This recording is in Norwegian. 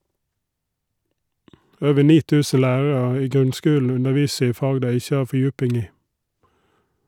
Over 9.000 lærarar i grunnskulen underviser i fag dei ikkje har fordjuping i.